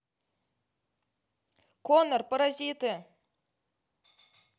conor паразиты